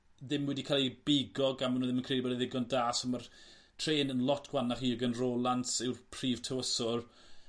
dim wedi ca'l 'i bigo gan bo' n'w ddim yn credu bod e'n ddigon da so ma'r trên yn lot gwanach Jürgen Roelandts yw'r prif tywyswr.